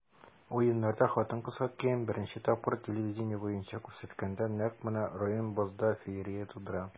Уеннарда хатын-кызлар хоккеен беренче тапкыр ТВ буенча күрсәткәндә, нәкъ менә Реом бозда феерия тудыра.